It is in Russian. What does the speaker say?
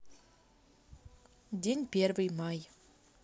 день первый май